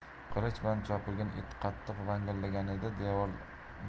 qilich bilan chopilgan it qattiq vangillaganda